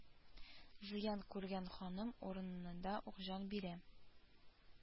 Зыян күргән ханым урынында ук җан бирә